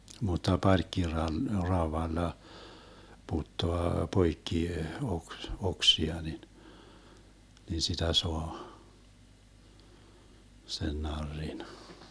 mutta - parkkiraudalla puttaa poikki - oksia niin niin sitä saa sen narrin